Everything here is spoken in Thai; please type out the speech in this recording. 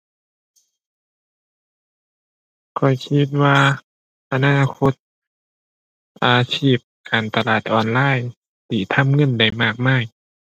ข้อยคิดว่าอนาคตอาชีพการตลาดออนไลน์ สิทำเงินได้มากมาย